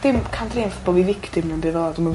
dim cam-drin fatha bo' fi victim na'm byd o dwi'm yn...